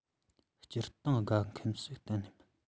སྤྱིར བཏང དགའ མཁན ཞིག གཏན ནས མིན